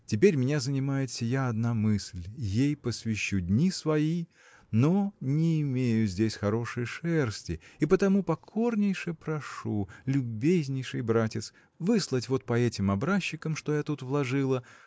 Теперь меня занимает сия одна мысль ей посвящу дни свои но не имею здесь хорошей шерсти и потому покорнейше прошу любезнейший братец выслать вот по этим образчикам что я тут вложила